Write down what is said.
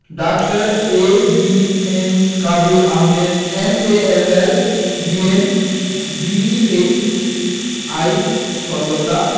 ডাঃ A B M Kabil Ahmed M A L L B M B H I Kolkata